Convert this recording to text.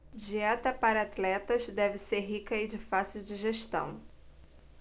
dieta para atletas deve ser rica e de fácil digestão